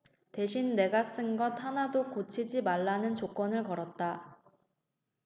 대신 내가 쓴 것 하나도 고치지 말라는 조건을 걸었다